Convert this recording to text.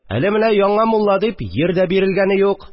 Әле менә, яңа мулла дип, йир дә бирелгәне юк